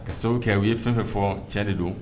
Ka sababu kɛ u ye fɛn fɛn fɔ cɛ de don